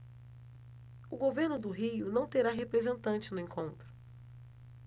o governo do rio não terá representante no encontro